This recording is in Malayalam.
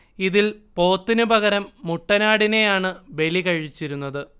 ഇതിൽ പോത്തിനു പകരം മുട്ടനാടിനെയാണ് ബലി കഴിച്ചിരുന്നത്